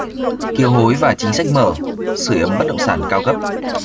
kiều hối và chính sách mở sưởi ấm bất động sản cao cấp